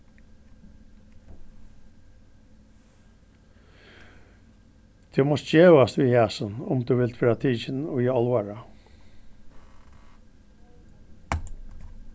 tú mást gevast við hasum um tú vilt verða tikin í álvara